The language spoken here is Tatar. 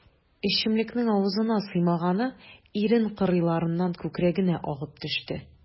Эчемлекнең авызына сыймаганы ирен кырыйларыннан күкрәгенә агып төште.